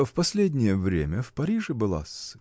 -- В последнее время в Париже была-с